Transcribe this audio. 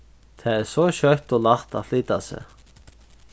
tað er so skjótt og lætt at flyta seg